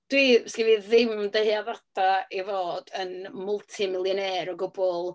wi... 'sgenna fi ddim dyheaddadau i fod yn multi-millionaire o gwbl.